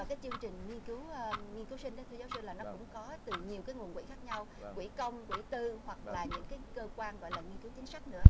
các chương trình nghiên cứu nghiên cứu sinh đang theo giáo sư là nó cũng có từ nhiều nguồn quỹ khác nhau quỹ công quỹ tư hoặc là những kênh cơ quan gọi là nghiên cứu chính sách nữa